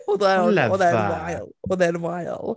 Oedd e yn... Love that.... oedd e'n wael. Oedd e'n wael.